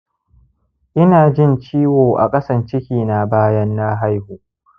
ina jin ciwo a ƙasan cikina bayan na haihu